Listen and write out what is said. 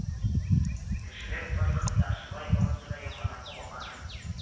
Кешелек тарихында шулай барысы да яңадан кабатлана: